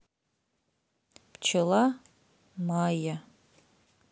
пчела майя